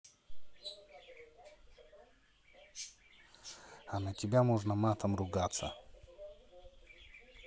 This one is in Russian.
а на тебя можно матом ругаться